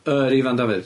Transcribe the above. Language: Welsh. Yr Ifan Dafydd.